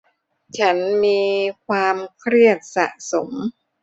ฉันมีความเครียดสะสม